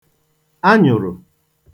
anyụ̀rụ̀